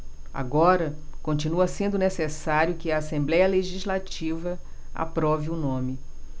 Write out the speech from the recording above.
agora continua sendo necessário que a assembléia legislativa aprove o nome